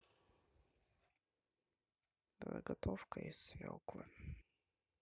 заготовка из свеклы